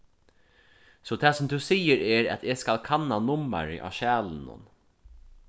so tað sum tú sigur er at eg skal kanna nummarið á skjalinum